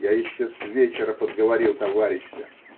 Я еще с вечера подговорил товарища.